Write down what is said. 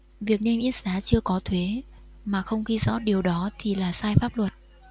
việc niêm yết giá chưa có thuế mà không ghi rõ điều đó thì là sai pháp luật